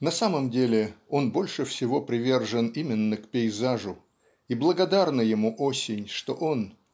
На самом деле он больше всего привержен именно к пейзажу и благодарна ему осень что он